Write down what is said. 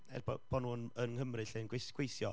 er bod bod nhw'n yng Nghymru lly'n gweith- gweithio,